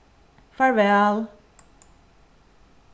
farvæl